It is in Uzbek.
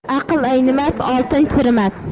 aql aynimas oltin chirimas